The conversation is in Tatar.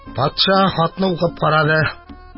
Патша хатны укып карады.